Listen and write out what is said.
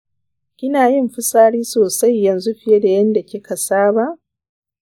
kina yin fitsari sosai yanzu fiye da yanda kika saba?